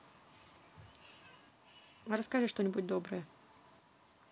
расскажи что нибудь доброе